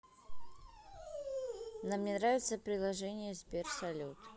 нам не нравится приложение сбер салют